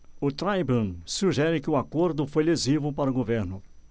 o tribune sugere que o acordo foi lesivo para o governo